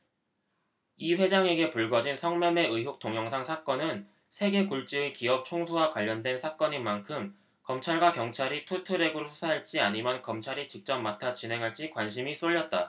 이 회장에게 불거진 성매매 의혹 동영상 사건은 세계 굴지의 기업 총수와 관련된 사건인 만큼 검찰과 경찰이 투트랙으로 수사할지 아니면 검찰이 직접 맡아 진행할지 관심이 쏠렸다